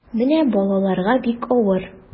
Менә балаларга бик авыр.